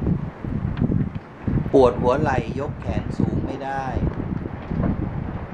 ปวดหัวไหล่ยกแขนสูงไม่ได้